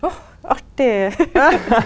å artig .